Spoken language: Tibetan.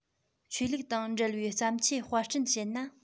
ཆོས ལུགས དང འབྲེལ བའི བརྩམས ཆོས དཔར སྐྲུན བྱེད ན